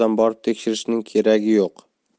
borib tekshirishning keragi yo'q